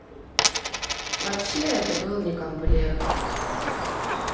вообще это был не комплимент